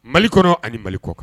Malikɔrɔ ani ni bali kɔ kan